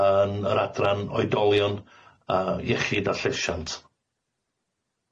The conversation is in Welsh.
yn yr adran oedolion yy iechyd a llesiant.